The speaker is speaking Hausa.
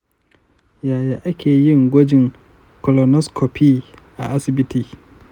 yaya ake yin gwajin colonoscopy a asibiti?